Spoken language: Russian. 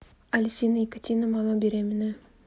алисина и катина мама беременная